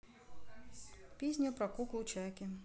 песня про куклу чаки